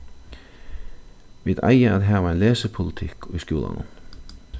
vit eiga at hava ein lesipolitikk í skúlanum